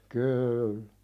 kyllä